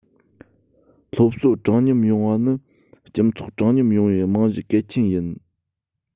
སློབ གསོ དྲང སྙོམས ཡོང བ ནི སྤྱི ཚོགས དྲང སྙོམས ཡོང བའི རྨང གཞི གལ ཆེན ཡིན